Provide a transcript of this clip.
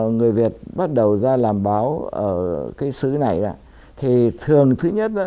người việt bắt đầu ra làm báo ở cái xứ này thì thường thứ nhất